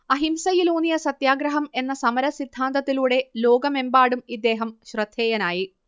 അഹിംസയിലൂന്നിയ സത്യാഗ്രഹം എന്ന സമര സിദ്ധാന്തത്തിലൂടെ ലോകമെമ്പാടും ഇദ്ദേഹം ശ്രദ്ധേയനായി